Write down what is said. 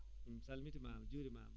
mi salmitimaama mi juurimaama